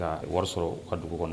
Ka wari sɔrɔ ka dugu kɔnɔ